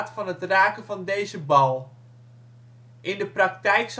van het raken van deze bal. In de praktijk